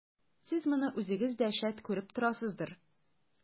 Сез моны үзегез дә, шәт, күреп торасыздыр.